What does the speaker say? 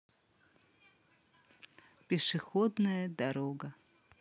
пешеходная дорога